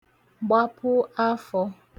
gbapụ afọ̄